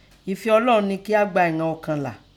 Ẹ̀fẹ́ Ọlọun nẹ kẹ́ a gba ìnan ọkàn la.